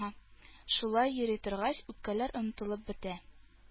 Шулай йөри торгач үпкәләр онытылып бетә.